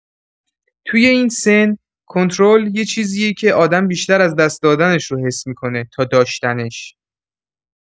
توی این سن، کنترل یه چیزیه که آدم بیشتر از دست دادنش رو حس می‌کنه تا داشتنش.